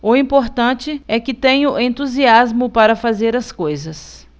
o importante é que tenho entusiasmo para fazer as coisas